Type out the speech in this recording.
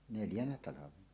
neljänä talvena